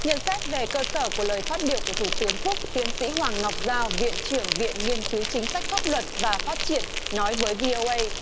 nhận xét về cơ sở của lời phát biểu của thủ tướng phúc tiến sĩ hoàng ngọc giao viện trưởng viện nghiên cứu chính sách pháp luật và phát triển nói với vi âu ây